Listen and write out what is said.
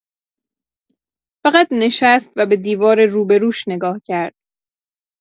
فقط نشست و به دیوار روبه‌روش نگاه کرد.